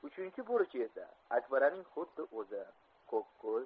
uchinchi bo'richa esa akbaraning xuddi o'zi ko'kko'z